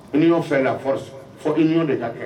L'union fait la force faut union de kɛ.